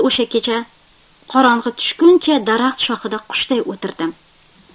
o'sha kecha qorong'i tushguncha daraxt shoxida qushday o'tirdim